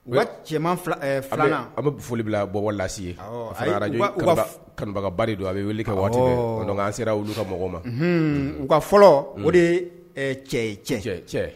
U ka cɛman fila an bɛ foli bila bɔlasi ye a fa u ka kanubagaba don a bɛ wili ka waati ɲɔgɔnkan sera olu ka mɔgɔw ma u ka fɔlɔ o de ye cɛ cɛ cɛ cɛ